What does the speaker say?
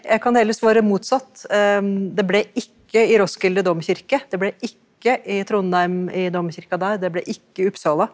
jeg kan heller svare motsatt det ble ikke i Roskilde domkirke, det ble ikke i Trondheim i domkirka der, det ble ikke Uppsala.